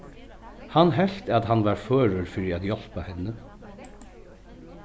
hann helt at hann var førur fyri at hjálpa henni